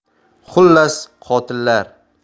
xullas qotillar